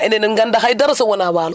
enen en nganndaa haydara so wonaa waalo